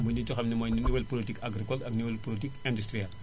muy nit yoo xam ne ni mooy nouvelle politique agricole ak nouvelle politique industrielle